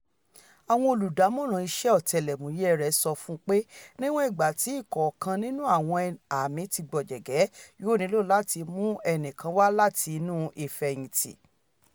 Àwọn olùdámọ̀ràn iṣẹ́ ọ̀tẹlẹ̀múyẹ rẹ̀ sọ fún un pé níwọn ìgbàtí ìkọ̀ọ̀kan nínú àwọn àmì ti gbọ̀jẹ̀gẹ́, yóò nílò láti mú ẹnìkan wá láti inu ìfẹ̀yìntì.